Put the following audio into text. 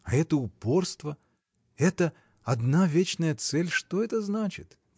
А это упорство, эта одна вечная цель, что это значит?